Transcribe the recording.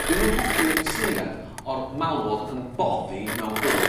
dwi'm yn hoffi'r syniad o'r malwod yn boddi mewn cwrw.